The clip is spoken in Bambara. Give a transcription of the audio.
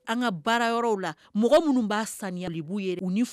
An ka baara yɔrɔ la mɔgɔ minnu b'ali